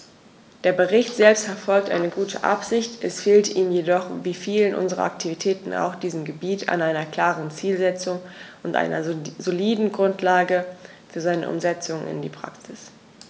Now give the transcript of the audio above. Der Bericht selbst verfolgt eine gute Absicht, es fehlt ihm jedoch wie vielen unserer Aktivitäten auf diesem Gebiet an einer klaren Zielsetzung und einer soliden Grundlage für seine Umsetzung in die Praxis.